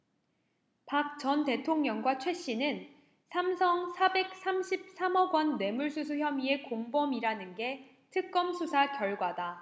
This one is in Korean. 박 전 대통령과 최씨는 삼성 사백 삼십 삼 억원 뇌물수수 혐의의 공범이라는 게 특검 수사 결과다